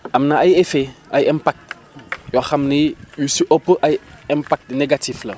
am na ay effets ay impacts yoo xam ni lu si ëpp ay impacts négatifs la